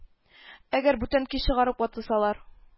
Әгәр бүтән көй чыгарып ватылсалар